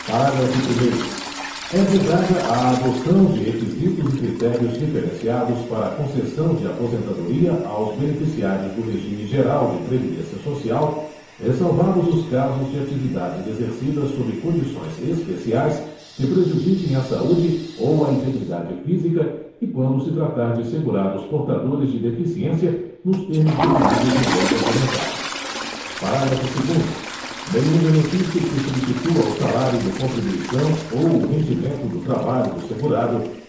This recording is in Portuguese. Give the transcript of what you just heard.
parágrafo primeiro é vedada a adoção de requisitos e critérios diferenciados para a concessão de aposentadoria aos beneficiários do regime geral de previdência social ressalvados os casos de atividades exercidas sob condições especiais que prejudiquem a saúde ou a integridade física e quando se tratar de segurados portadores de deficiência nos termos definidos em lei complementar parágrafo segundo nenhum benefício que substitua o salário de contribuição ou o rendimento do trabalho do segurado